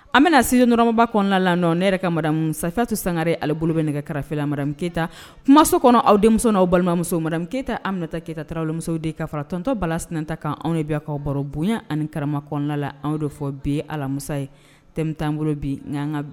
An bɛna sɔrɔmaba kɔnɔna la ne yɛrɛ ka satu sanga ale bolo bɛ nɛgɛ karafela mara keyita kumaso kɔnɔ aw denmuso aw balimamuso keyita an minɛta keyitata tmuso de ka faratɔntɔbas senta kan anw de bɛkaw baro bonya ani karama kɔnɔnala la anw de fɔ bɛ alamusa ye tɛmɛ tan bolo bi